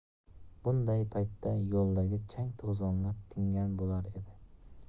bunday paytda yo'ldagi chang to'zonlar tingan bo'lar edi